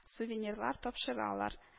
Сувенирлар, тапшыралар